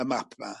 y map 'ma